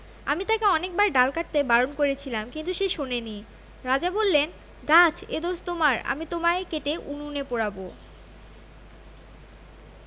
আমি তাকে অনেকবার ডাল কাটতে বারণ করেছিলাম কিন্তু সে শোনেনি রাজা বললেন গাছ এ দোষ তোমার আমি তোমায় কেটে উনুনে পোড়াব